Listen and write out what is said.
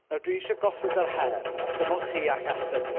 Nawr, dwi isie gosod yr her, a dim ond chi all ateb hyn.